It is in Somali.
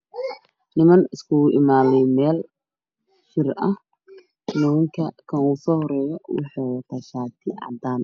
Waa niman sow imaaday meel ninka u soo horeeya wuxuu wataa shaati caddaan